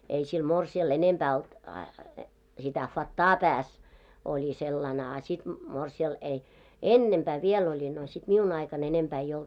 ei sillä morsiamella enempää ollut sitä fattaa päässä oli sellainen a sitten morsian ei ennempää vielä oli no sitten minun aikana enempää ei ollut